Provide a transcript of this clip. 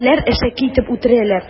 Кешеләр әшәке итеп үтерәләр.